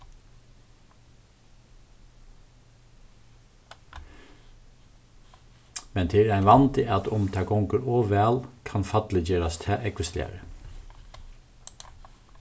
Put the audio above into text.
men tað er ein vandi at um tað gongur ov væl kann fallið gerast tað ógvusligari